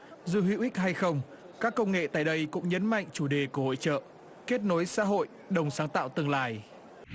dù hữu ích hay không các công nghệ tại đây cũng nhấn mạnh chủ đề của hội chợ kết nối xã hội đồng sáng tạo tương lai